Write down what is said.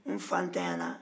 n fa ntanya na